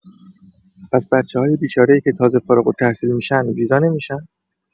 پس بچه‌های بیچاره‌ای که تازه فارغ‌التحصیل می‌شن ویزا نمی‌شن؟